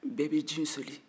bɛɛ bɛ ji in soli